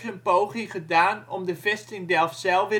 poging gedaan om de vesting Delfzijl